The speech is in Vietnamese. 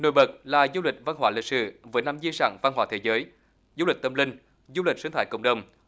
nổi bật là du lịch văn hóa lịch sử với năm di sản văn hóa thế giới du lịch tâm linh du lịch sinh thái cộng đồng